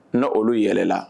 Ne olu yɛlɛla